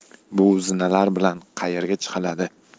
bu zinalar bilan qayerga chiqiladi